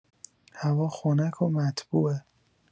هوا خنک و مطبوعه.